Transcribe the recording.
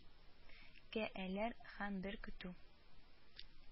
Кә әләр һәм бер көтү